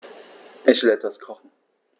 Ich will etwas kochen.